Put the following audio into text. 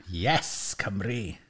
Yes Cymru.